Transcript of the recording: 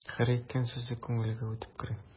Һәр әйткән сүзе күңелгә үтеп керә.